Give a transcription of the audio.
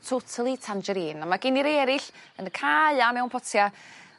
totally tangerine a ma' gin i rei eryll yn y cae a mewn potia'